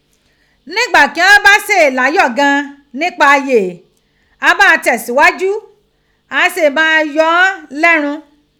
Nígbà kí ghan bá se láyọ̀ gan an nípa yee, a máa tẹ̀ síghájú, a se máa yọ ghann lẹ́run.